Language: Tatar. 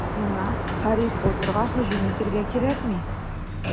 Сиңа Һарри Поттерга һөҗүм итәргә кирәкми.